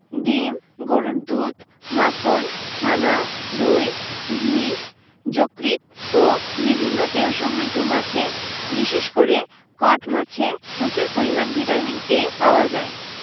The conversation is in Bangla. ডিম গরুর দুধ মাখন ছানা দই ঘি যকৃৎ ও বিভিন্ন তেলসমৃদ্ধ মাছে বিশেষ করে কড মাছে প্রচুর পরিমান ভিটামিন এ পাওয়া যায়